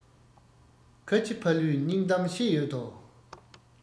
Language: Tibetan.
ཁ ཆེ ཕ ལུའི སྙིང གཏམ བཤད ཡོད དོ